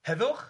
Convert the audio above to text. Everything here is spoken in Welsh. heddwch.